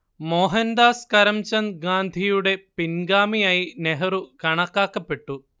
മോഹൻദാസ് കരംചന്ദ് ഗാന്ധിയുടെ പിൻഗാമിയായി നെഹ്രു കണക്കാക്കപ്പെട്ടു